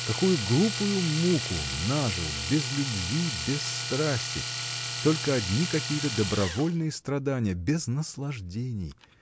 какую глупую муку нажил, без любви, без страсти: только одни какие-то добровольные страдания, без наслаждений!